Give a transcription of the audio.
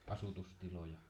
asutustiloja